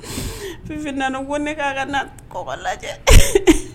Fifin naani ko ne k'a ka naɔgɔ lajɛ